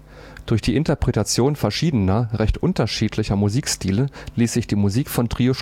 die Interpretation verschiedener, recht unterschiedlicher Musikstile ließ sich die Musik von Trio